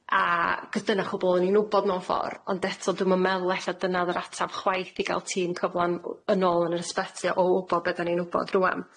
a chos dyna chwbwl o'n i'n wbod mewn ffor ond eto dwi'm yn me'wl ella dyna o'dd yr atab chwaith i gal tîm cyfla'n w- yn ôl yn yr ysbyty o wbo be' da'n i'n wbod rŵan.